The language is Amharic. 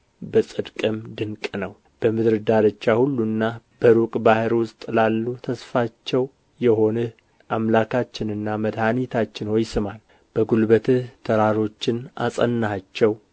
በጽድቅም ድንቅ ነው በምድር ዳርቻ ሁሉና በሩቅ ባሕር ውስጥ ላሉ ተስፋቸው የሆንህ አምላካችንና መድኃኒታችን ሆይ ስማን በጉልበትህ ተራሮችን አጸናሃቸው